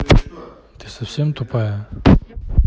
ты совсем тупая